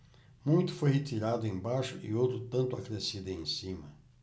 muito foi retirado embaixo e outro tanto acrescido em cima